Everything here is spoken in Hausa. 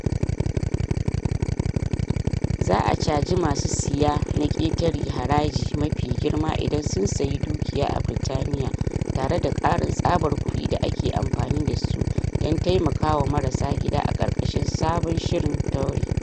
Za a caji masu siya na ƙetare haraji mafi girma idan sun sayi dukiya a Birtaniya tare da ƙarin tsabar kuɗi da ake amfani da su don taimaka wa marasa gida a ƙarkashin sabon shirin Tory